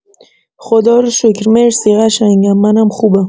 خداروشکر مرسی قشنگم منم خوبم